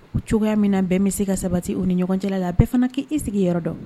U cogoya min na bɛɛ bɛ se ka sabati u ni ɲɔgɔn cɛla la a bɛɛ fana k' e sigi yɔrɔ dɔn